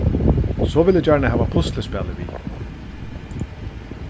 so vil eg gjarna hava puslispælið við